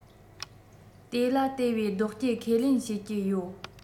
དེ ལ དེ བས ལྡོག སྐྱེལ ཁས ལེན བྱེད ཀྱི ཡོད